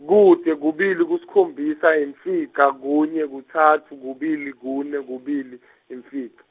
kute kubili kusikhombisa imfica kunye kutsatfu kubili, kune kubili, imfica.